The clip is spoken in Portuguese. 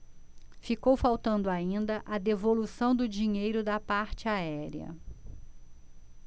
ficou faltando ainda a devolução do dinheiro da parte aérea